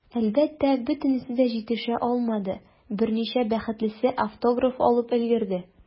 Әлбәттә, бөтенесе дә җитешә алмады, берничә бәхетлесе автограф алып өлгерде.